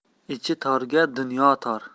ichi torga dunyo tor